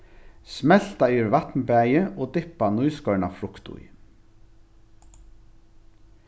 smelta yvir vatnbaði og dyppa nýskorna frukt í